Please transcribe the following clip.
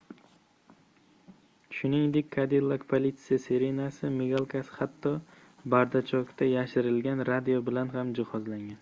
shuningdek cadillac politsiya sirenasi migalkasi hatto bardachokda yashirilgan radio bilan ham jihozlangan